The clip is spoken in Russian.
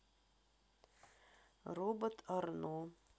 робот арно